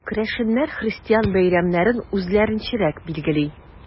Керәшеннәр христиан бәйрәмнәрен үзләренчәрәк билгели.